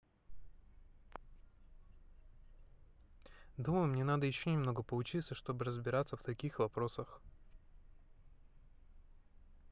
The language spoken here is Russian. думаю мне надо еще немного поучиться чтобы разбираться в таких вопросах